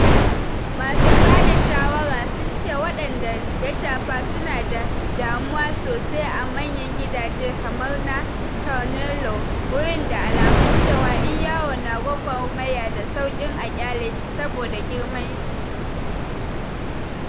Masu bada shawara sun ce waɗanda ya shafa su na damuwa sosai a manya gidajen kamar na Tornillo, wurin da alamun cewa in yaro na gwagwarmaya da sauƙin a kyale shi, saboda girman shi.